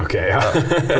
ok ja .